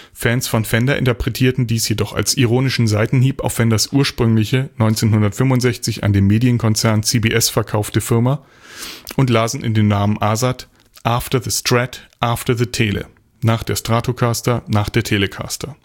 Fans von Fender interpretierten dies jedoch als ironischen Seitenhieb auf Fenders ursprüngliche, 1965 an den Medienkonzern CBS verkaufte Firma und lasen in dem Namen „ ASAT “„ after the Strat, after the Tele “(Nach der Stratocaster, nach der Telecaster